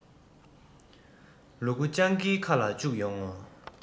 ལུ གུ སྤྱང ཀིའི ཁ ལ བཅུག ཡོང ངོ